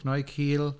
Cnoi cîl.